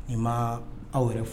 I ma aw yɛrɛ fɔ